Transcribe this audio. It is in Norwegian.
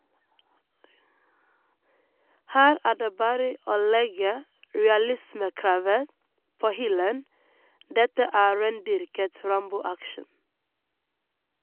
Her er det bare å legge realismekravet på hyllen, dette er rendyrket Rambo-action.